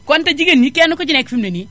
konte jigéen ñi kenn ku ci nekk fi mu ne nii